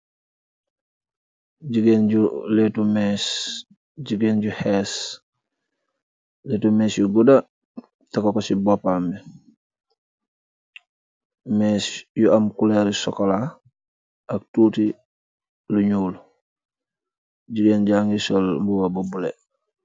Gigain ju lehtu meeche, gigain ju khess lehtu meeche yu guda, takah cii bopam bii, meeche yu am couleur yu chocolat ak tuti lu njull, gigain jaangy sol lu bleu.